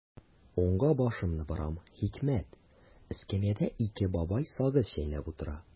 Уңга башымны борам– хикмәт: эскәмиядә ике бабай сагыз чәйнәп утыра.